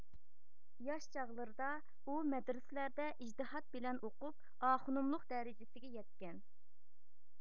ياش چاغلىرىدا ئۇ مەدرىسىلەردە ئىجتىھات بىلەن ئوقۇپ ئاخونۇملۇق دەرىجىسىگە يەتكەن